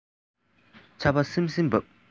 ཆར པ བསིམ བསིམ འབབས